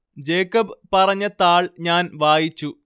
Jacob പറഞ്ഞ താൾ ഞാൻ വായിച്ചു